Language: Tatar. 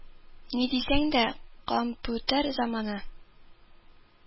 Ни дисәң дә, кәмпүтер заманы